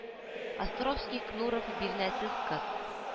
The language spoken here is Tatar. Островский кнуров бирнәсез кыз